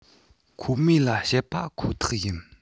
ཁོ མོས ལ བཤད པ ཁོ ཐག ཡིན